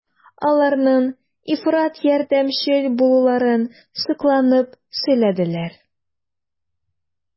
Аларның ифрат ярдәмчел булуларын сокланып сөйләделәр.